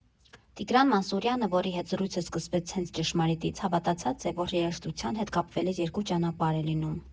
Տիգրան Մանսուրյանը, որի հետ զրույցը սկսվեց հենց ճշմարիտից, հավատացած է, որ երաժշտության հետ կապվելիս երկու ճանապարհ է լինում։